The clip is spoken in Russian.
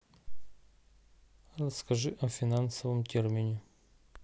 расскажи о финансовом термине